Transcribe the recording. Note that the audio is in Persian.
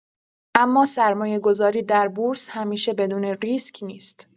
اما سرمایه‌گذاری در بورس همیشه بدون ریسک نیست.